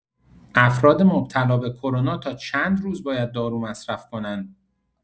افراد مبتلا به کرونا تا چند روز باید دارو مصرف کنند؟